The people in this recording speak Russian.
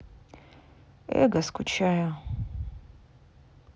эго скучаю